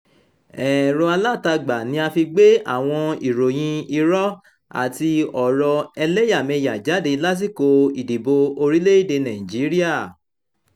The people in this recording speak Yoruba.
Ẹ̀rọ Alátagbà ni a fi gbé àwọn ìròyìn irọ́ àti ọ̀rọ̀ ẹlẹ́yàmẹyà jáde lásìkò ìdìbò orílẹ̀-èdèe Nàìjíríà